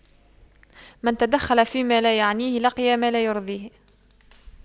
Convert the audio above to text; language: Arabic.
من تدخل فيما لا يعنيه لقي ما لا يرضيه